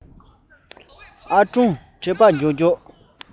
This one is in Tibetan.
ཨ དྲུང དྲེལ པ མགྱོགས མགྱོགས